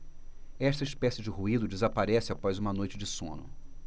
esta espécie de ruído desaparece após uma noite de sono